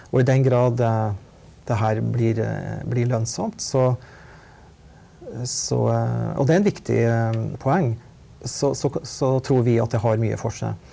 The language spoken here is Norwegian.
og i den grad det her blir blir lønnsomt så så og det er en viktig poeng så så så tror vi at det har mye for seg.